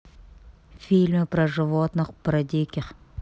фильмы про животных про диких